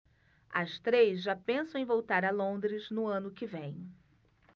as três já pensam em voltar a londres no ano que vem